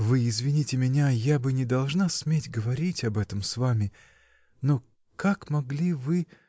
"-- Вы извините меня, я бы не должна сметь говорить об этом с вами. но как могли вы.